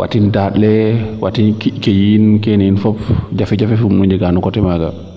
wtin daand le watin kinj ke yiin keene yiin fop jafe jafe fum nu njega no coté naaga